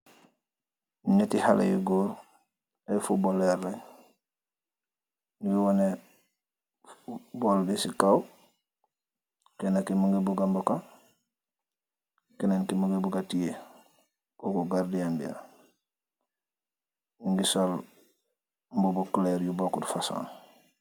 Njehti haleh yu gorre, aiiy footballeur len, nju woneh bohl bi ci kaw, kenah kii mungy buga mbokah, kenen kii mungy buga tiyeh, koku gardien bi la, mungy sol mbubi couleur yu bokut fason.